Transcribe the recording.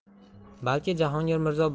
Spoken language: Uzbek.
balki jahongir mirzo